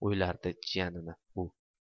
o'ylardi u jiyanini